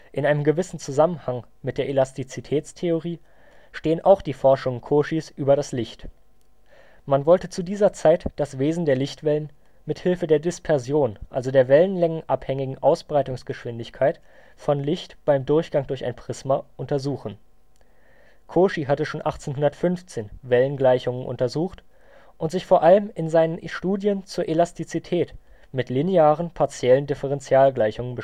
In einem gewissen Zusammenhang mit der Elastizitätstheorie stehen auch die Forschungen Cauchys über das Licht. Man wollte zu dieser Zeit das Wesen der Lichtwellen mit Hilfe der Dispersion, also der wellenlängenabhängigen Ausbreitungsgeschwindigkeit von Licht beim Durchgang durch ein Prisma, untersuchen. Cauchy hatte schon 1815 Wellengleichungen untersucht und sich vor allem in seinen Studien zur Elastizität mit linearen partiellen Differentialgleichungen